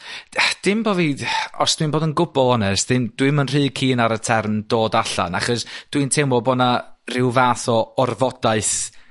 dim bo' fi ... Os dwi'n bod yn gwbwl onest 'dyn... Dwi 'im yn rhy keen ar y term dod allan achos dwi'n teimlo bod 'na rhyw fath o orfodaeth